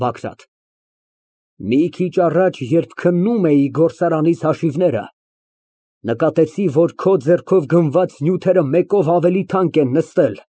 ԲԱԳՐԱՏ ֊ Մի քիչ առաջ, երբ քննում էի գործարանիս հաշիվները, նկատեցի, որ քո ձեռքով գնված նյութերը մեկով մեկ ավելի թանկ են նստել։